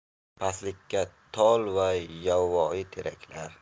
pastlikda tol va yovoyi teraklar